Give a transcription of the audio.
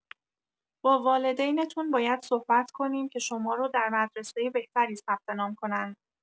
با والدینتون باید صحبت کنیم که شما رو در مدرسه بهتری ثبت‌نام کنند.